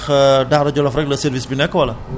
ndax Daara Djolof rekk la service bi nekk wala